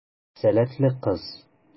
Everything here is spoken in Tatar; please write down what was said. Сәләтле кыз.